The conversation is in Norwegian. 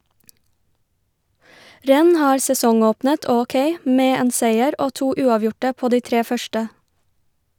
Rennes har sesongåpnet ok , med en seier og to uavgjorte på de tre første.